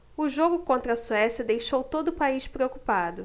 o jogo contra a suécia deixou todo o país preocupado